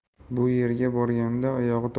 bu yerga borganda